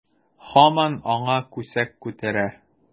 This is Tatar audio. Һаман аңа күсәк күтәрә.